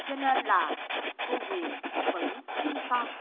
cho nên là cô huyền vẫn yêu con